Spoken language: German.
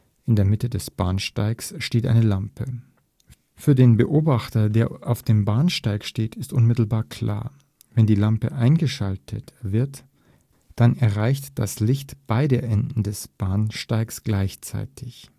In der Mitte des Bahnsteiges steht eine Lampe. Für einen Beobachter, der auf dem Bahnsteig steht, ist unmittelbar klar: Wenn die Lampe eingeschaltet wird, dann erreicht das Licht beide Enden des Bahnsteigs gleichzeitig